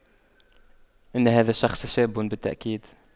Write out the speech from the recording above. إن هذا الشخص شاب بالتأكيد